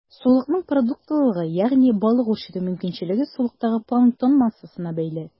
Сулыкның продуктлылыгы, ягъни балык үрчетү мөмкинчелеге, сулыктагы планктон массасына бәйле.